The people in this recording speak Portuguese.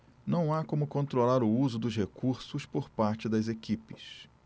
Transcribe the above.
não há como controlar o uso dos recursos por parte das equipes